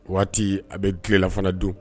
Waati a bɛ tilela fana d'un.